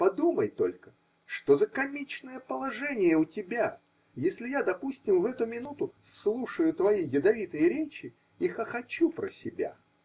Подумай только, что за комичное положение у тебя, если я, допустим, в эту минуту слушаю твои ядовитые речи и хохочу про себя?